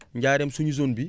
Ndiarème suñu zone bi